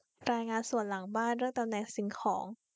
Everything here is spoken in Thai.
รายงานสวนหลังบ้านเรื่องตำแหน่งสิ่งของ